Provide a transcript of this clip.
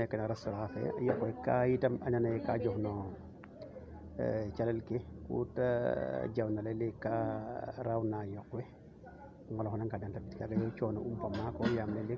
ndeetar jeg kooge kene kene est ce que a jega meen manaam pour i an ndax a ɓaata wiin we ndax ɓaate wiin we yam yok we kaa leyaaye